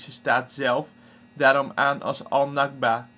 staat zelf, daarom aan als al-Nakba